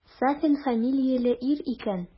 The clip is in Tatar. Сафин фамилияле ир икән.